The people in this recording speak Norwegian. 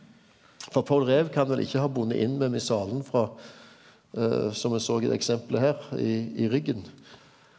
for Paul Rev kan vel ikkje ha bunde inn med missalen frå som me såg i det eksempelet her i i ryggen.